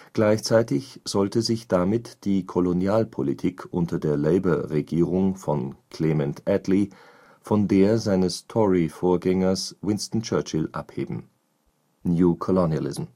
Gleichzeitig sollte sich damit die Kolonialpolitik unter der Labour-Regierung von Clement Attlee von der seines Tory-Vorgängers, Winston Churchill, abheben. (New Colonialism